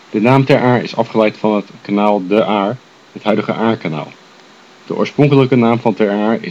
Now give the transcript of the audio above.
De naam Ter Aar is afgeleid van het kanaal ' De Aar ', het huidige Aarkanaal. De oorspronkelijke naam van Ter